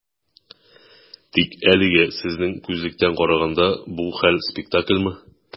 Тик әлегә, сезнең күзлектән караганда, бу хәл - спектакльмы?